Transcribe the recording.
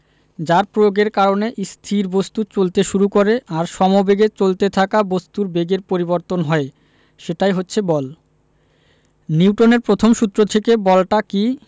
যার প্রয়োগের কারণে স্থির বস্তু চলতে শুরু করে আর সমবেগে চলতে থাকা বস্তুর বেগের পরিবর্তন হয় সেটাই হচ্ছে বল নিউটনের প্রথম সূত্র থেকে বলটা কী